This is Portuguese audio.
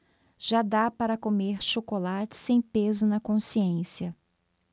já dá para comer chocolate sem peso na consciência